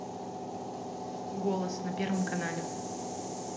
голос на первом канале